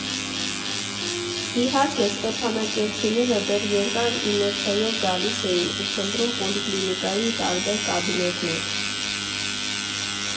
Իհարկե, ստեփանակերտցիները դեռ երկար իներցիայով գալիս էին ու փնտրում պոլիկլինիկայի տարբեր կաբինետներ։